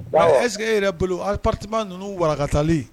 Wa ɛs yɛrɛ bolo aprtima ninnu warakatali